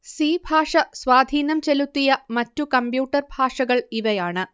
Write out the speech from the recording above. C ഭാഷ സ്വാധീനം ചെലുത്തിയ മറ്റു കമ്പ്യൂട്ടർ ഭാഷകൾ ഇവയാണ്